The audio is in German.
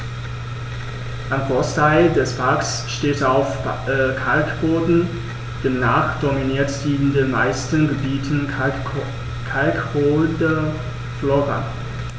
Ein Großteil des Parks steht auf Kalkboden, demnach dominiert in den meisten Gebieten kalkholde Flora.